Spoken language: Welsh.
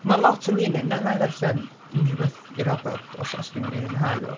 Mae lot o yn, wna i ddarllen unryw beth i raddau os os dwi wir yn ei fwynhau o.